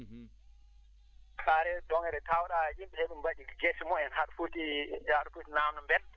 sa rewii dongre tawɗaa yimɓe eɓe mbaɗi ngese mumen haɗa footi jarɗude namdoo mbedda